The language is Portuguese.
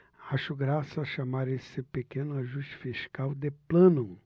acho graça chamar esse pequeno ajuste fiscal de plano